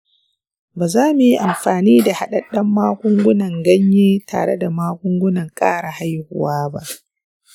ba za mu yi amfani da haɗaɗɗen magungunan ganye tare da magungunan ƙara haihuwa ba.